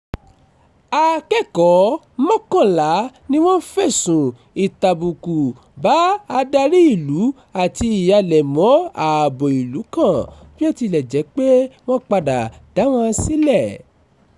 Akẹ́kọ̀ọ́ mọ́kànlá ni wọ́n fẹ̀sùn "ìtàbùkù bá adarí ìlú" àti "ìhàlẹ̀ mọ́ ààbò ìlú" kàn, bí ó tilẹ̀ jẹ́ pé wọ́n padà dá wọn sílẹ̀.